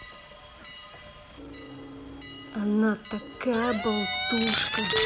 она такая болтушка